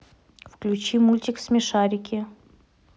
включи мультик смешарики